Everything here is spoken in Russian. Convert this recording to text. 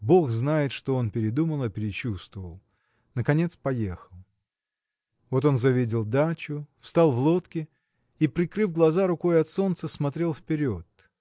Бог знает, что он передумал и перечувствовал; наконец поехал. Вот он завидел дачу встал в лодке и прикрыв глаза рукой от солнца смотрел вперед.